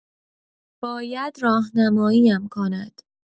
باید راهنمایی‌ام کند.